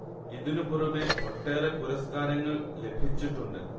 ഇതിനു പുറമെ ഒട്ടേറെ പുരസ്കാരങ്ങൾ ലഭിച്ചിട്ടുണ്ട്